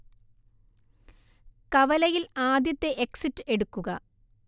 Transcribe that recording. കവലയിൽ ആദ്യത്തെ എക്സിറ്റ് എടുക്കുക